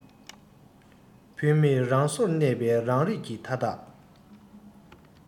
འཕེལ མེད རང སོར གནས པའི རང རིགས ཀྱི མཐའ དག